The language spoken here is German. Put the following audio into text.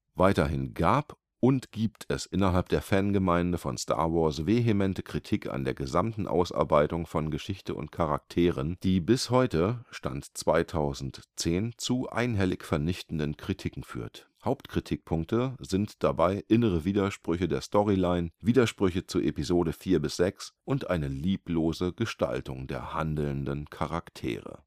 Weiterhin gab und gibt es innerhalb der Fangemeinde von Star Wars vehemente Kritik an der gesamten Ausarbeitung von Geschichte und Charakteren, die bis heute (2010) zu einhellig vernichtenden Kritiken führt. Hauptkritikpunkte sind dabei innere Widersprüche der Storyline, Widersprüche zu Episode 4-6 und eine lieblose Gestaltung der handelnden Charaktere